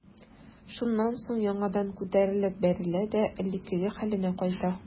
Шуннан соң яңадан күтәрелеп бәрелә дә элеккеге хәленә кайта.